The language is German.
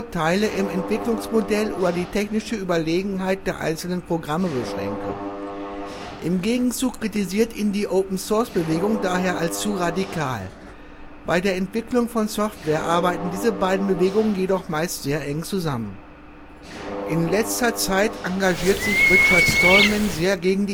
Vorteile im Entwicklungsmodell oder die technische Überlegenheit der einzelnen Programme beschränke. Im Gegenzug kritisiert ihn die Open-Source-Bewegung daher als zu radikal. Bei der Entwicklung von Software arbeiten diese beiden Bewegungen jedoch meist sehr eng zusammen. In letzter Zeit engagiert sich Richard Stallman sehr gegen